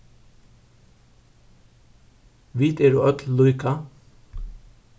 vit eru øll líka